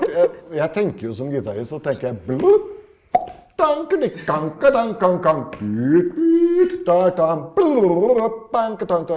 jeg jeg tenker jo som gitarist så tenker jeg .